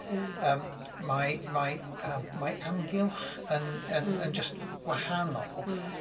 Yym mae mae yym mae amgylch yn yn yn jyst wahanol.